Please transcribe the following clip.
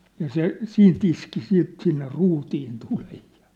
ja se siitä iski siitä sinne ruutiin tulen ja